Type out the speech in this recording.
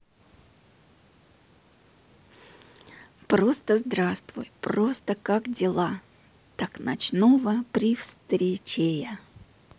просто здравствуй просто как дела так ночного при встречея